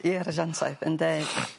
Ia'r ajantaith ynde?